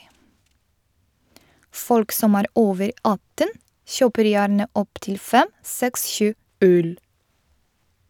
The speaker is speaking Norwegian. Folk som er over atten, kjøper gjerne opptil fem, seks, sju øl.